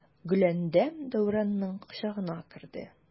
Гөләндәм Дәүранның кочагына керде.